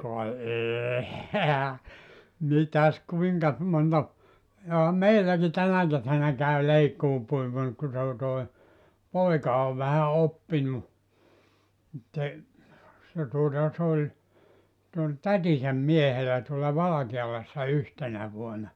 ka ei eihän mitäs kuinkas monta johan meilläkin tänä kesänä käy leikkuupuimuri kun se on toi poika on vähän oppinut mutta se se tuota se oli se oli tätinsä miehellä tuolla Valkealassa yhtenä vuonna